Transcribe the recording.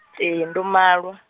ee ndo malwa.